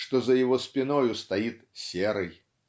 что за его спиною стоит Серый